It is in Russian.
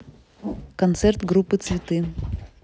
концерт группы цветы